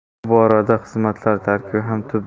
bu borada xizmatlar tarkibi ham